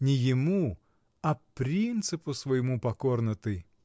не ему, а принципу своему покорна ты.